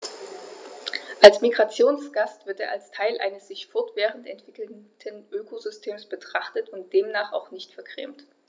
Als Migrationsgast wird er als Teil eines sich fortwährend entwickelnden Ökosystems betrachtet und demnach auch nicht vergrämt.